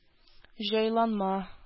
Җайланма